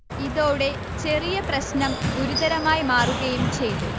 ഇതോടെ ചെറിയ പ്രശ്നം ഗുരുതരമായി മാറുകയും ചെയ്തു